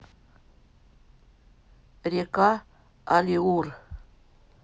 река алиур